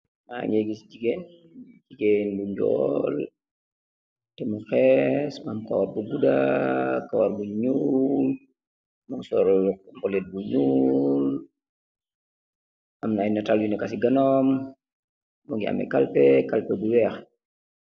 Jigeen bu sol yehreh bu nyeoul teh tiyeh calpet bu weeah ak ayyi nataal yuu nehka ce ganawam.